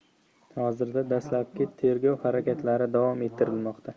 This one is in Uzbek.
hozirda dastlabki tergov harakatlari davom ettirilmoqda